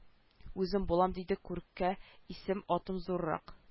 Үзем булам диде күркә исем-атым зуррак